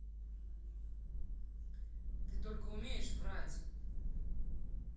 ты только умеешь врать